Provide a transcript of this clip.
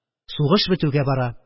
Сугыш бетүгә бара,